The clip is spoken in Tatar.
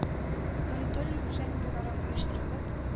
Мониторинг үзәге буларак оештырылып,